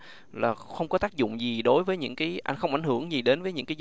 là không có tác dụng gì đối với những ký à không ảnh hưởng gì đến với những cái